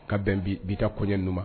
Ka bɛn bi bi ta koɲɛ ninnu ma